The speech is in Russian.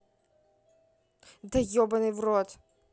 да ебаный в рот